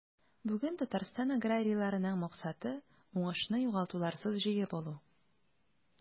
Бүген Татарстан аграрийларының максаты – уңышны югалтуларсыз җыеп алу.